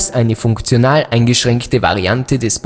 eine funktional eingeschränkte Variante des